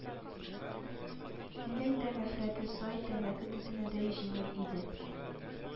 Нең дә нәфрәте сай, тәмәке төтенедәй җиңел иде